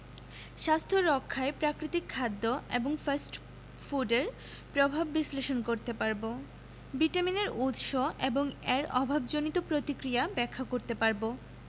স্বাস্থ্য রক্ষায় প্রাকৃতিক খাদ্য এবং ফাস্ট ফুডের প্রভাব বিশ্লেষণ করতে পারব ভিটামিনের উৎস এবং এর অভাবজনিত প্রতিক্রিয়া ব্যাখ্যা করতে পারব